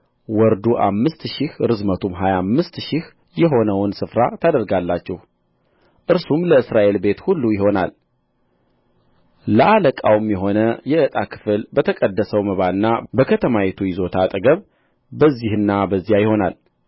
ወርዱ አምስት ሺህ ርዝመቱም ሀያ አምስት ሺህ የሆነውን ስፍራ ታደርጋላችሁ እርሱም ለእስራኤል ቤት ሁሉ ይሆናል ለአለቃውም የሆነ የዕጣ ክፍል